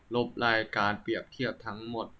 ลบรายการเปรียบเทียบทั้งหมด